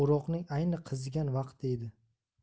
o'roqning ayni qizigan vaqti edi